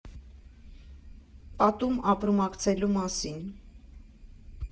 Պատում ապրումակցելու մասին։